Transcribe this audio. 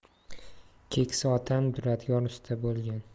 keksa otam duradgor usta bo'lgan